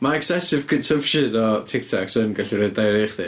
Ma' excessive consumption o Tic Tacs yn gallu rhoi diarrhea i chdi.